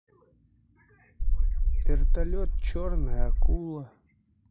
вертолет черная акула